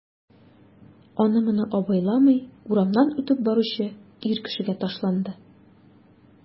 Аны-моны абайламый урамнан үтеп баручы ир кешегә ташланды...